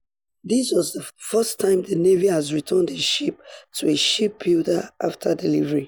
This was the first time the Navy has returned a ship to a shipbuilder after delivery.